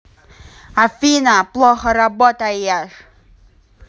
афина плохо работаешь